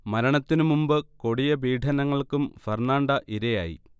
മരണത്തിന് മുമ്പ് കൊടിയ പീഢനങ്ങൾക്കും ഫെർണാണ്ട ഇരയായി